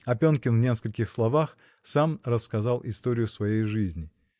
Опенкин в нескольких словах сам рассказал историю своей жизни.